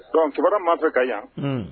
Donc kibaruya min b'an fɛ Kayi yan